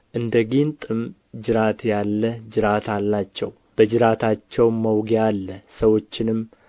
እንደ ጊንጥም ጅራት ያለ ጅራት አላቸው በጅራታቸውም መውጊያ አለ ሰዎችንም